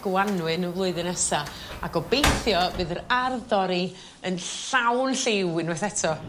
Gwanwyn y flwyddyn nesa a gobeithio fydd yr ardd dorri yn lawn lliw unwaith eto.